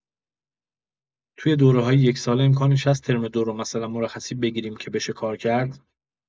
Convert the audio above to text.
توی دوره‌های یک‌ساله امکانش هست ترم ۲ رو مثلا مرخصی بگیریم که بشه کار کرد؟